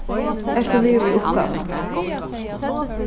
ert tú liðug við uppgávuna